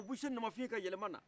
u bɛ se namafin ka yɛlɛma na